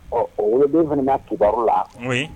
Ɔ o wolodon fana na kibaru la, oui